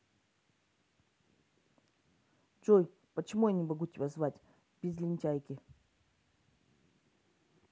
джой почему я не могу тебя звать без лентяйки